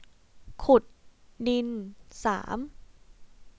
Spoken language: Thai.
ขุดดินสาม